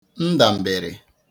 ndànbèrè